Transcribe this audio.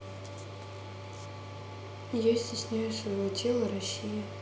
я стесняюсь своего тела россия